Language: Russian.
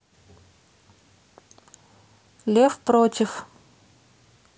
лев против